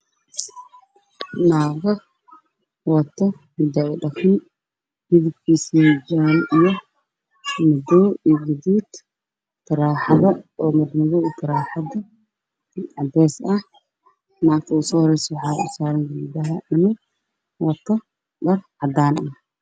Naago wata xijaabo midab kiisu yahay jaalle